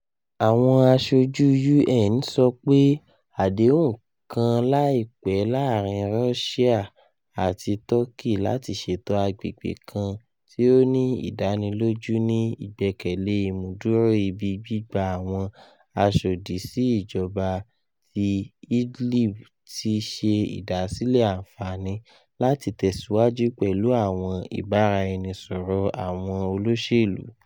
Awọn aṣoju UN sọ pe adehun kan laipe laarin Ruṣia ati Tọki lati ṣeto agbegbe kan ti o ni idaniloju ni igbẹkẹle imuduro ibi gbigba awọn aṣodisi ijọba ti Idlib ti ṣe ìdásílẹ̀ anfani lati tẹsiwaju pẹlu awọn ibara-ẹni-sọrọ awọn oloṣelu.